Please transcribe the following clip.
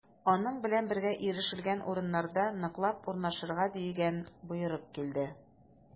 Аның белән бергә ирешелгән урыннарда ныклап урнашырга дигән боерык килде.